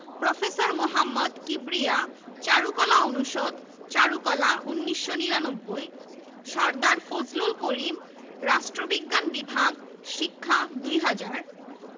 অধ্যাপক রেহমান সোবহান অর্থনীতি বিভাগ গবেষণা ও প্রশিক্ষণ ২০০৮ শিল্পী মু. আবুল হাশেম খান চারুকলা অনুষদ সংস্কৃতি ২০১১